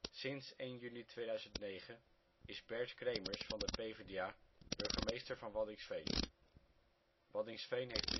Sinds 1 juni 2009 is Bert Cremers (PvdA) burgemeester van Waddinxveen. Waddinxveen heeft